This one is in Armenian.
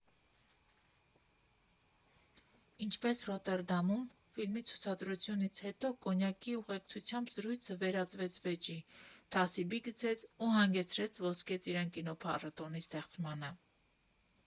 Ինչպես Ռոտերդամում ֆիլմի ցուցադրությունից հետո կոնյակի ուղեկցությամբ զրույցը վերաճեց վեճի, թասիբի գցեց ու հանգեցրեց Ոսկե ծիրան կինոփառատոնի ստեղծմանը.